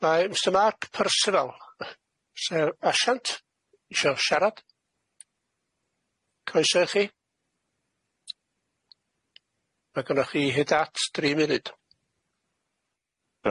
Mae Mr Mark Personal, sef asiant, isio siarad, coesau chi, ma' gynnoch chi hyd at dri munud.